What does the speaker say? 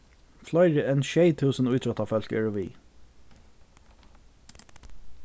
fleiri enn sjey túsund ítróttafólk eru við